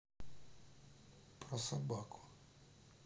про собаку